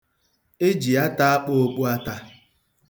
E ji ata akpa okpuata.